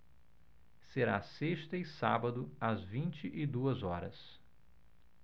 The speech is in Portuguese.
será sexta e sábado às vinte e duas horas